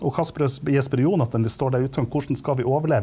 og Kasper og Jesper og Jonatan, de står der hvordan skal vi overleve?